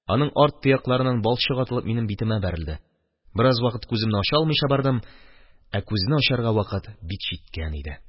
Аның арт тоякларыннан балчык атылып минем битемә бәрелде, бераз вакыт күземне ача алмыйча бардым, – ә күзне ачарга вакыт бик җиткән иде.